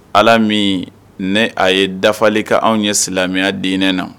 Ala min ne a ye dafali ka anw ye silamɛya diinɛ na